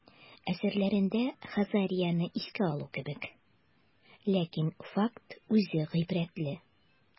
Әсәрләрендә Хазарияне искә алу кебек, ләкин факт үзе гыйбрәтле.